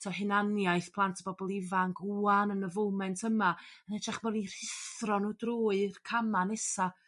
t'o' hunaniaeth plant a bobol ifanc 'ŵan yn y foment yma yn hytrach bo' ni rhuthro nw drwy'r cama nesa.